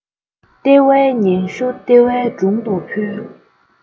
ལྟེ བའི སྙན ཞུ ལྟེ བའི དྲུང དུ ཕུལ